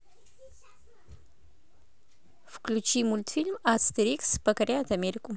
включи мультфильм астерикс покоряет америку